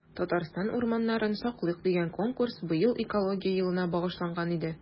“татарстан урманнарын саклыйк!” дигән конкурс быел экология елына багышланган иде.